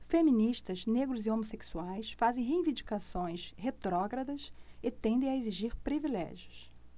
feministas negros e homossexuais fazem reivindicações retrógradas e tendem a exigir privilégios